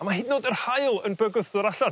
A ma' hyd yn o'd yr haul yn bygwth dod allan.